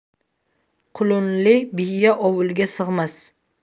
qulunli biya ovulga sig'mas